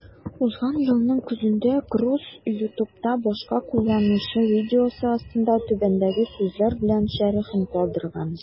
Узган елның көзендә Круз YouTube'та башка кулланучы видеосы астында түбәндәге сүзләр белән шәрехен калдырган: